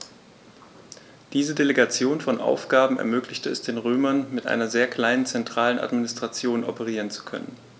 Diese Delegation von Aufgaben ermöglichte es den Römern, mit einer sehr kleinen zentralen Administration operieren zu können.